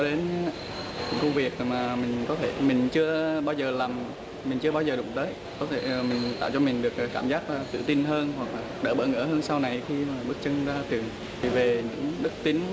tới á những công việc mà mình có thể mình chưa bao giờ làm mình chưa bao giờ đụng tới có thể mình tạo cho mình được cái cảm giác tự tin hơn hoặc đỡ bỡ ngỡ hơn sau này khi mà bước chân ra từ nay về những đức tính